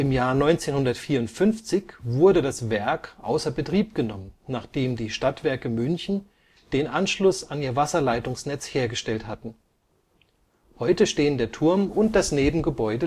Jahr 1954 wurde das Werk außer Betrieb genommen, nachdem die Stadtwerke München den Anschluss an ihr Wasserleitungsnetz hergestellt hatten. Heute stehen der Turm und das Nebengebäude